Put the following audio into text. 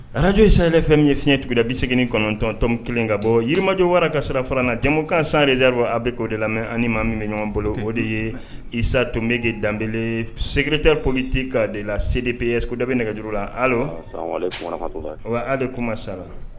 Ararakajsi sayɛlɛ fɛn min ye fiɲɛɲɛtigɛda bi segin9tɔntɔn kelen ka bɔ yirimajɔ wara ka sira farana denmusomukan san zeri aw bɛ k' de la ani maa min bɛ ɲɔgɔn bolo o de ye isa tun bɛge danbebele segretere kobiti ka' de la se de peeye ko da bɛ nɛgɛjuru la ale koma sara